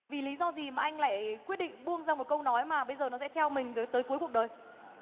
vì lý do gì mà anh lại quyết định buông ra một câu nói mà bây giờ nó sẽ theo mình tới tới cuối cuộc đời